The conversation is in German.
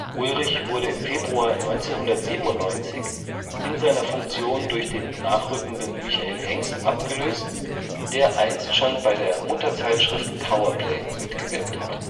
Ulrich wurde im Februar 1997 in seiner Funktion durch den nachrückenden Michael Hengst abgelöst, der einst schon bei der „ Mutter-Zeitschrift “Power Play mitgewirkt hatte